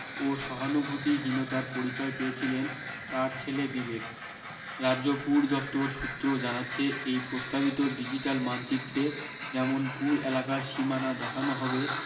ও সহানুভূতিহীনতার পরিচয় পেয়েছিলেন তার ছেলে বিবেক রাজ্য পুর দফতর সূত্র জানাচ্ছে এই প্রস্তাবিত ডিজিটাল মানচিত্রে যেমন পুর এলাকার সীমানা দেখানো হবে